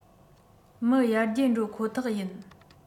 མི ཡར རྒྱས འགྲོ ཁོ ཐག ཡིན